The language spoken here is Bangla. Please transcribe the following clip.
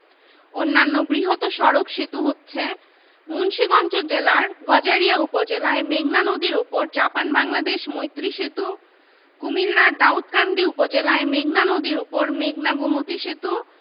ঢাকার সাভার উপজেলায় তালিবাবাদ এবং ঢাকা মহানগরীর মহাখালীতে মোট তিনটি উপগ্রহ ভূ কেন্দ্র